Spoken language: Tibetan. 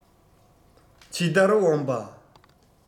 ཇི ལྟར འོངས པ